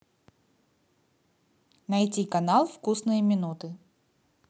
найти канал вкусные минуты